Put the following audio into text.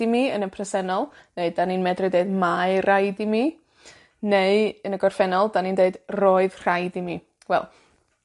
i mi yn y presennol, neu 'dan ni'n medru deud mae raid i mi, neu yn y gorffennol 'dan ni'n deud roedd rhaid i mi. Wel